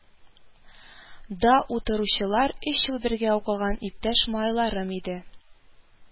Да утыручылар өч ел бергә укыган иптәш малайларым иде